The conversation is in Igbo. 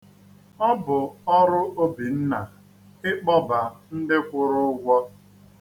Ọ bụ ọrụ Obinna ịkpọba ndị kwụrụ ụgwọ.